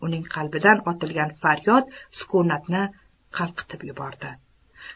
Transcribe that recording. uning qalbidan otilgan faryod sukunatni qalqitib yubordi